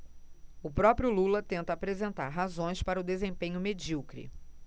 o próprio lula tenta apresentar razões para o desempenho medíocre